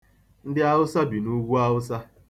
Ndị Awusa bi n'Ugwuawụsa.